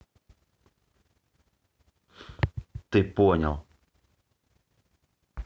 ты понял